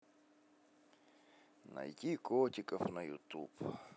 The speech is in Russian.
найти котиков на ютуб